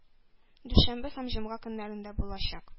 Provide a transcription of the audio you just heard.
Дүшәмбе һәм җомга көннәрендә булачак.